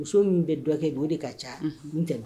Muso min bɛ dɔgɔ kɛ don de ka ca tɛ